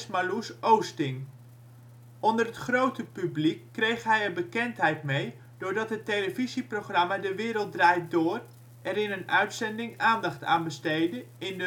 Marlous Oosting. Onder het grote publiek kreeg hij er bekendheid mee doordat het televisieprogramma De Wereld Draait Door er in een uitzending aandacht aan besteedde in